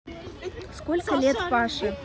сколько лет паше